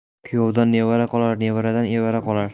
kuyovdan nevara qolar nevaradan evara qolar